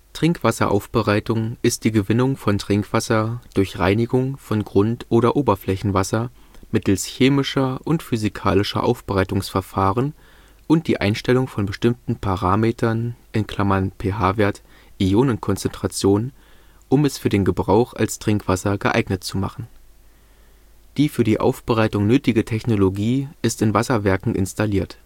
Trinkwasseraufbereitung ist die Gewinnung von Trinkwasser durch Reinigung von Grund - oder Oberflächenwasser mittels chemischer und physikalischer Aufbereitungsverfahren und die Einstellung von bestimmten Parametern (pH-Wert, Ionenkonzentration), um es für den Gebrauch als Trinkwasser geeignet zu machen. Die für die Aufbereitung nötige Technologie ist in Wasserwerken installiert